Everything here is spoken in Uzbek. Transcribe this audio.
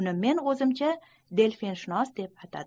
uni men o'zimcha del'finshunos deb atadim